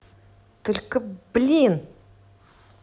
только блин